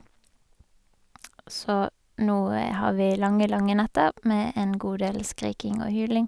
Så nå har vi lange, lange netter med en god del skriking og hyling.